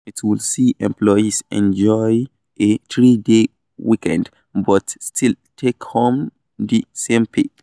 It would see employees enjoy a three-day weekend - but still take home the same pay.